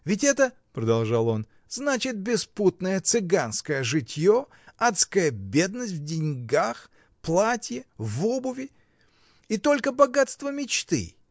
Ведь это, — продолжал он, — значит беспутное, цыганское житье, адская бедность в деньгах, в платье, в обуви, и только богатство мечты!